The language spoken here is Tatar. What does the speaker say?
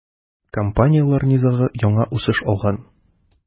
Компанияләр низагы яңа үсеш алган.